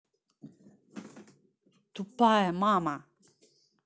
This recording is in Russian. тупая мама